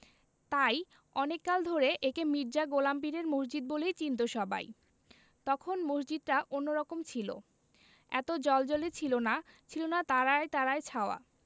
তাই অনেক কাল ধরে একে মির্জা গোলাম পীরের মসজিদ বলেই চিনতো সবাই তখন মসজিদটা অন্যরকম ছিল এত জ্বলজ্বলে ছিল না ছিলনা তারায় তারায় ছাওয়া